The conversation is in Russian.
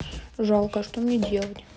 жалко а что мне делать